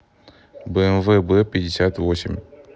бмв б пятьдесят восемь